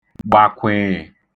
gbàkwị̀ị̀